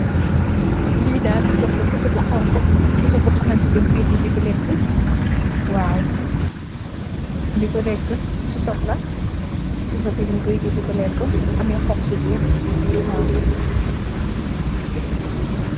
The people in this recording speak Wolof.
Lii daal sisop la, sisop bu xoñxu, sisop bu xamante nii dañg kooy jël dicco leekë, waaw. Dicco leekë, sisop la. Dañge kooy jël dicco leekë, ame xob si bir.